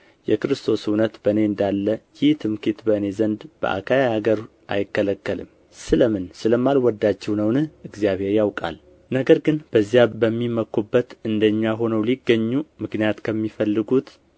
የክርስቶስ እውነት በእኔ እንዳለ ይህ ትምክህት በእኔ ዘንድ በአካይያ አገር አይከለከልም ስለ ምን ስለማልወዳችሁ ነውን እግዚአብሔር ያውቃል ነገር ግን በዚያ በሚመኩበት እንደ እኛ ሆነው ሊገኙ ምክንያትን ከሚፈልጉቱ